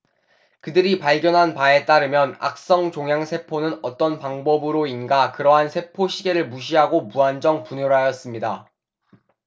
그들이 발견한 바에 따르면 악성 종양 세포는 어떤 방법으로인가 그러한 세포 시계를 무시하고 무한정 분열하였습니다